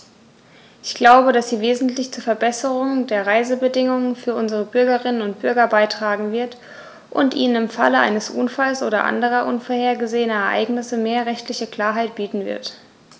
Ich glaube, dass sie wesentlich zur Verbesserung der Reisebedingungen für unsere Bürgerinnen und Bürger beitragen wird, und ihnen im Falle eines Unfalls oder anderer unvorhergesehener Ereignisse mehr rechtliche Klarheit bieten wird.